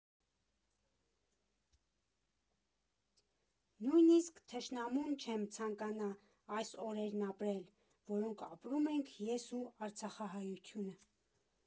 Նույնիսկ թշնամուն չեմ ցանկանա այս օրերն ապրել, որոնք ապրում ենք ես ու արցախահայությունը։